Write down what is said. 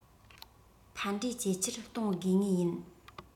ཕན འབྲས ཇེ ཆེར གཏོང དགོས ངེས ཡིན